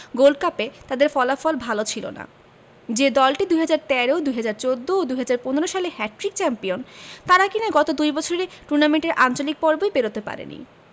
gold কাপে তাদের ফলাফল ভালো ছিল না যে দলটি ২০১৩ ২০১৪ ও ২০১৫ সালে হ্যাটট্রিক চ্যাম্পিয়ন তারা কিনা গত দুই বছরে টুর্নামেন্টের আঞ্চলিক পর্বই পেরোতে পারেনি